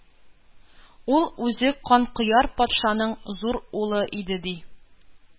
Ул үзе Канкояр патшаның зур улы иде, ди.